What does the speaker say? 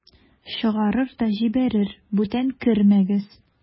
Чыгарыр да җибәрер: "Бүтән кермәгез!"